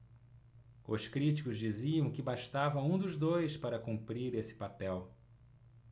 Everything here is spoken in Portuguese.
os críticos diziam que bastava um dos dois para cumprir esse papel